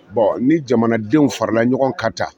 Bɔn ni jamanadenw farala ɲɔgɔn ka taa